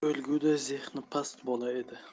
o'lguday zehni past bola edi